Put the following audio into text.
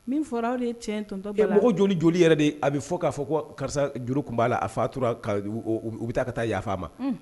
Min fɔra aw de ye cɛntɔ mɔgɔ joli joli yɛrɛ de a bɛ fɔ k'a fɔ ko karisa juru tun b'a la a fatura u bɛ taa ka taa yafa ma